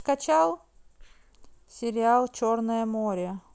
сериал черное море